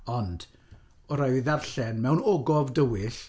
Ond oedd raid fi ddarllen mewn ogof dywyll.